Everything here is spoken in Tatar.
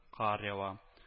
Кар ява